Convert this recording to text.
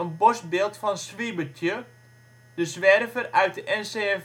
borstbeeld van Swiebertje, de zwerver uit de NCRV-televisieserie